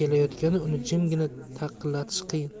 kelayotganda uni jimgina taqillatish qiyin